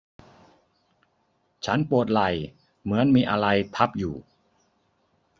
ฉันปวดไหล่เหมือนมีอะไรทับอยู่